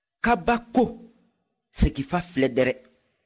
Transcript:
kabako segifa filɛ dɛrɛ